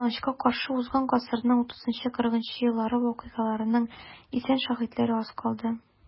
Кызганычка каршы, узган гасырның 30-40 еллары вакыйгаларының исән шаһитлары аз калды.